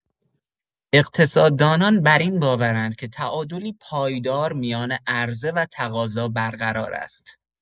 اقتصاددانان بر این باورند که تعادلی پایدار میان عرضه و تقاضا برقرار است.